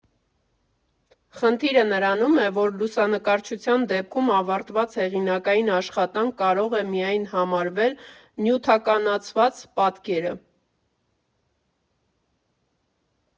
Խնդիրը նրանում է, որ լուսանկարչության դեպքում, ավարտված հեղինակային աշխատանք կարող է միայն համարվել նյութականացված պատկերը։